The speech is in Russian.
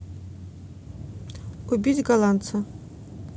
убить голландца